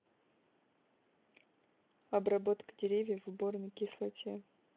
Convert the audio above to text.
обработка деревьев в борной кислотой